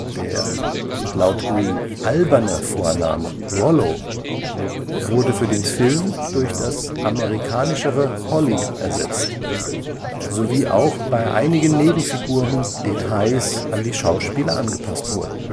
Der „ alberne Vorname “(Greene) Rollo wurde für den Film durch das amerikanischere Holly ersetzt, sowie auch bei einigen Nebenfiguren Details an die Schauspieler angepasst wurden